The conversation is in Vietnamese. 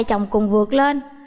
chồng cùng vượt lên